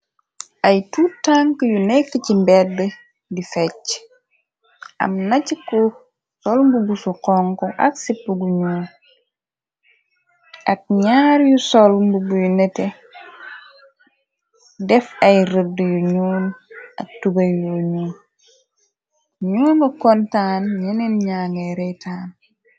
Ay tuu tank yu nekk ci mbedd di fecc am nac ku solmbu busu xonk. Ak sip gu ñuun ak ñaar yu solmb buyu nete. Def ay rëdd yu ñuon ak tube yooñu ñoonga kontaan ñeneen ñaangée rey taan.